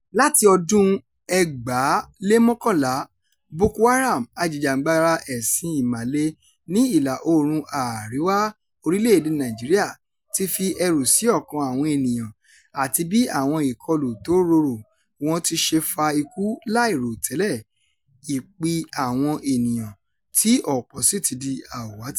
Láti ọdún-un 2011, Boko Haram, ajìjàǹgbara ẹ̀sìn Ìmàle ní Ìlà-oòrùn àréwá orílẹ̀-èdèe Nàìjíríà, ti fi ẹ̀rù sí ọkàn àwọn ènìyàn àti bí àwọn ìkọlù tó rorò wọ́n ti ṣe fa ikú láì rò tẹ́lẹ̀ ìpí àwọn ènìyàn, tí ọ̀pọ̀ọ́ sì ti di àwátì.